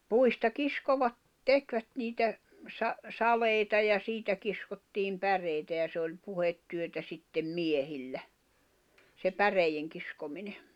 puista kiskoivat tekivät niitä - saleita ja siitä kiskottiin päreitä ja se oli puhetyötä sitten miehillä se päreidenkiskominen